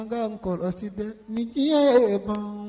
An k'an kɔlɔsi dɛ ni diɲɛ ye ban